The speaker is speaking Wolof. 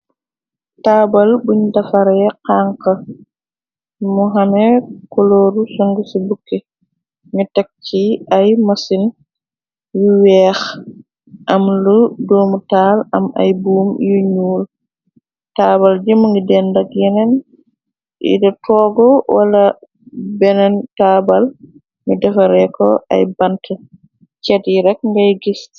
taabal buñ defare xank muhame kulooru suguff ci bukke ni tek ci ay mësin yu weex am lu doomu taal am ay buum yuy ñuul taabal jimu ngi dendak yeneen yite toog wala beneen taabal ni defare ko ay bant ceet yirek ngay gist.